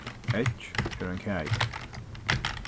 edge er ein kagi